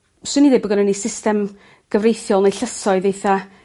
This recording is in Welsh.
'Swn i ddeu' bo' gynnon ni system gyfreithiol neu llysoedd eitha